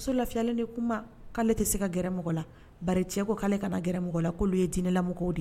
Muso lafiyalen de k'u ma k'ale tɛ se ka gɛrɛ mɔgɔ la, bari cɛ ko k'ale kana gɛrɛ mɔgɔ la k'olu ye diinɛmɔgɔw de ye